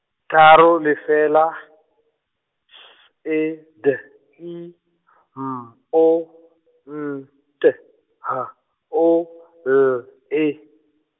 tharo lefela, S E D I M O N T H O L E.